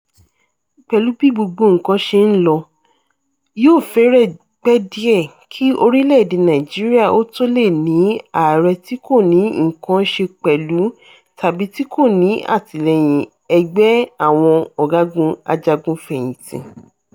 Pẹ̀lú bí gbogbo nǹkan ṣe ń lọ, yóò fẹ́rẹ̀ẹ́ pẹ́ díẹ̀ kí orílẹ̀-èdè Nàìjíríà ó tó le è ní Ààrẹ tí kò ní nǹkan ṣe pẹ̀lú, tàbí tí kò ní àtìlẹ́yìn "ẹgbẹ́ " àwọn ọ̀gágun ajagun fẹ̀yìntì.